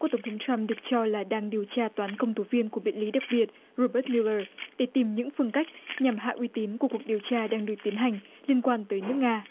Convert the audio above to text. của tổng thống troăm được cho là đang điều tra toán công tố viên của bệnh lý đặc biệt rô bớt lê vơ để tìm những phương cách nhằm hạ uy tín của cuộc điều tra đang được tiến hành liên quan tới nước nga